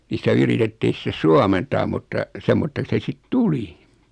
niin sitä yritettiin sitten suomentaa mutta semmoiseksi se sitten tuli